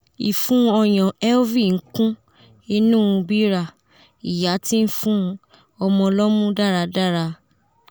Ifun ọyan Elvie n kun inu bira iya ti n fun ọmọ lọmu daradara (Elvie/Iya)